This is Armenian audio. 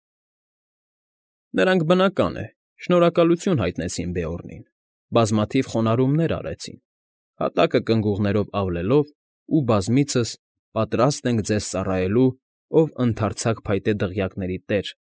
Նրանք, բնական է, շնորհակալություն հայտնեցին Բեորնին, բազմաթիվ խոնարհումներ արեցին, հատակը կնգուղներով ավլելով ու բազմիցս «պատրաստ ենք ձեզ ծառայելու, ով ընդարձակ փայտե դղյակների տեր»